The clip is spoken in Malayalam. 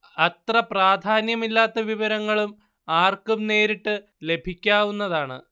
അത്ര പ്രാധാന്യമില്ലാത്ത വിവരങ്ങളും ആർക്കും നേരിട്ട് ലഭിക്കാവുന്നതാണ്